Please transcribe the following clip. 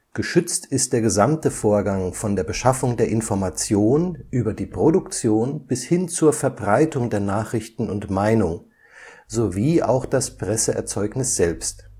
Geschützt ist der gesamte Vorgang von der Beschaffung der Information über die Produktion bis hin zur Verbreitung der Nachrichten und Meinung, sowie auch das Presseerzeugnis selbst